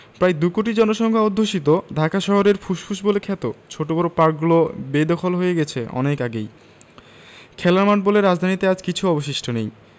প্রায় দুকোটি জনসংখ্যা অধ্যুষিত ঢাকা শহরের ফুসফুস বলে খ্যাত ছোট বড় পার্কগুলো বেদখল হয়ে গেছে অনেক আগেই খেলার মাঠ বলে রাজধানীতে আজ আর কিছু অবশিষ্ট নেই